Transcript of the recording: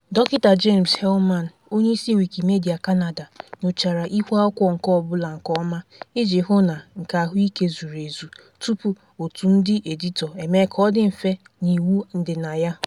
Dọkịta James Heilman, onyeisi Wikimedia Canada, nyochara ihuakwụkwọ nke ọbụla nke ọma, iji hụ na nke ahụike ziri ezi, tupu òtù ndị editọ emee ka ọ dị mfe n'Iwu Ndịnaya.